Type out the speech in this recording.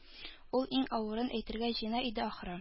Ул иң авырын әйтергә җыена иде, ахры